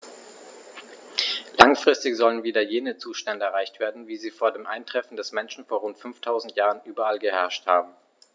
Langfristig sollen wieder jene Zustände erreicht werden, wie sie vor dem Eintreffen des Menschen vor rund 5000 Jahren überall geherrscht haben.